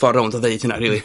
Ffor rownd o ddeud hynna rili.